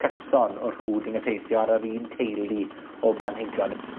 cyson o rhwd yn effeithio ar yr un teulu o blanhigion.